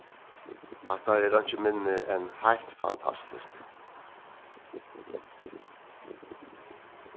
hatta er einki minni enn heilt fantastiskt